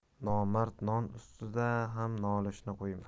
nomard non ustida ham nolishini qo'ymas